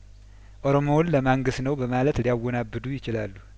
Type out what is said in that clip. ኦሮሞውን ለማንገስ ነው በማለት ሊያወና ብዱ ይችላሉ